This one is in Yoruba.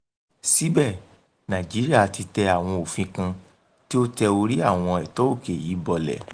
Síbẹ̀, Nàìjíríà tí tẹ àwọn òfin kan tí ó tẹ orí àwọn ẹ̀tọ́ òkè yìí bọlẹ̀.